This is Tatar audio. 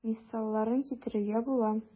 Мисалларын китерергә була.